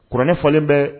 Kuran fɔlen bɛ